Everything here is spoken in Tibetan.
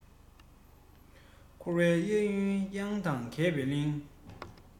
དགོད ལ ཚོད མེད མཐའ མཇུག ངུ བའི གཞི